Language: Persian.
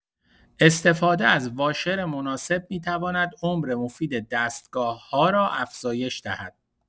استفاده از واشر مناسب می‌تواند عمر مفید دستگاه‌ها را افزایش دهد.